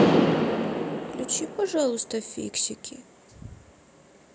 включи пожалуйста фиксики